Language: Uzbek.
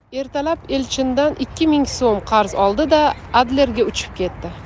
ertalab elchindan ikki ming so'm qarz oldi da adlerga uchib ketdi